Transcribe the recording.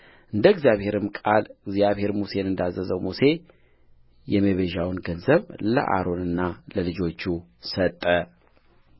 እንደ እግዚአብሔርም ቃል እግዚአብሔር ሙሴን እንዳዘዘው ሙሴ የመቤዣውን ገንዘብ ለአሮንና ለልጆቹ ሰጠ